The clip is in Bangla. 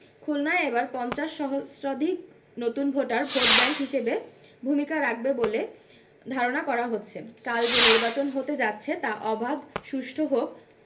খুলনায় এবার ৫০ সহস্রাধিক নতুন ভোটার ভোটব্যাংক হিসেবে ভূমিকা রাখবে বলে ধারণা করা হচ্ছে কাল যে নির্বাচন হতে যাচ্ছে তা অবাধ সুষ্ঠু হোক